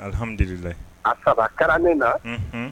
Alihamdulila asakara ne na